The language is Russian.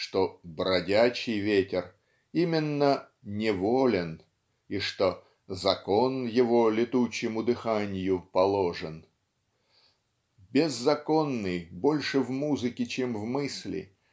что "бродячий ветер именно "неволен" и что "закон его летучему дыханью положен". Беззаконный больше в музыке чем в мысли